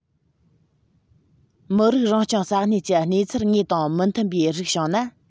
མི རིགས རང སྐྱོང ས གནས ཀྱི གནས ཚུལ དངོས དང མི མཐུན པའི རིགས བྱུང ན